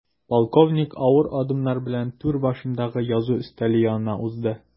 Полковник авыр адымнар белән түр башындагы язу өстәле янына узды.